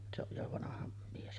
se on jo vanha mies